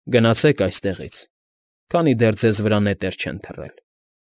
Գնացեք այստեղից, քանի դեռ ձեզ վրա նետեր չեն թռել։